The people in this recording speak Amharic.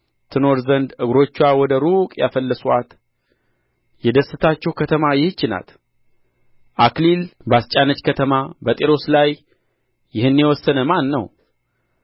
ትኖር ዘንድ እግሮችዋ ወደ ሩቅ ያፈለሱአት የደስታችሁ ከተማ ይህች ናትን አክሊል ባስጫነች ከተማ በጢሮስ ላይ ይህን የወሰነ ማን ነው